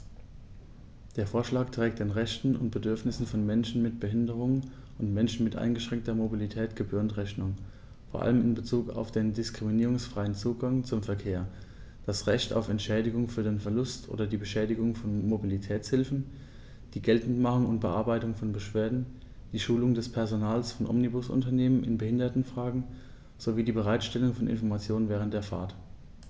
Der Vorschlag trägt den Rechten und Bedürfnissen von Menschen mit Behinderung und Menschen mit eingeschränkter Mobilität gebührend Rechnung, vor allem in Bezug auf den diskriminierungsfreien Zugang zum Verkehr, das Recht auf Entschädigung für den Verlust oder die Beschädigung von Mobilitätshilfen, die Geltendmachung und Bearbeitung von Beschwerden, die Schulung des Personals von Omnibusunternehmen in Behindertenfragen sowie die Bereitstellung von Informationen während der Fahrt.